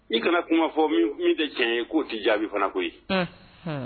I kana kuma fɔ min tɛ tiɲɛ ye k'o tɛ jaabi fana koyi koyi